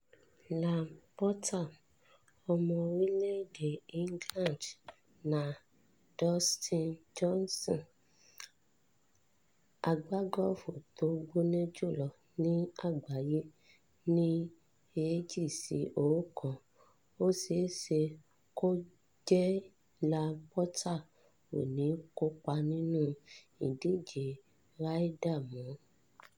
Ian Poulter, ọmọ orílẹ̀-èdè England na Dustin Johnson, agbágọ́ọ̀fù tó gbóná jùlọ ní àgbáyé ní 2 sí 1. Ó ṣeéṣe kó jẹ́ Ian Poulter ò ní kópa nínú ìdíje Ryder mọ́.